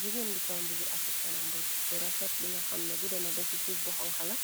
Jigeen bi sol mbobu bi afrikanam bu refet bi nga xamne gude na be ci suuf boxoŋxala